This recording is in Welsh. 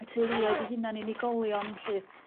y teuluoedd 'u huna'n unigolion lly.